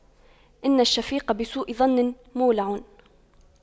إن الشفيق بسوء ظن مولع